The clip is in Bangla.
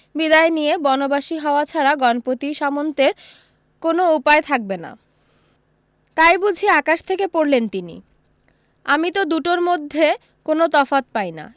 বিদায় নিয়ে বনবাসী হওয়া ছাড়া গণপতি সামন্তের কোনো উপায় থাকবে না তাই বুঝি আকাশ থেকে পড়লেন তিনি আমি তো দুটোর মধ্যে কোনো তফাত পাই না